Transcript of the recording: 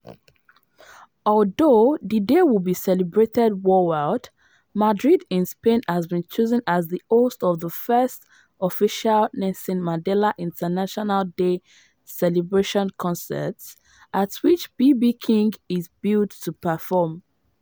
Although the day will be celebrated worldwide, Madrid, in Spain has been chosen as the host of the first official Nelson Mandela International Day celebration concert, at which BB King is billed to perform.